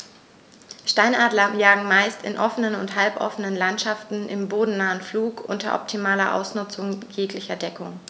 Steinadler jagen meist in offenen oder halboffenen Landschaften im bodennahen Flug unter optimaler Ausnutzung jeglicher Deckung.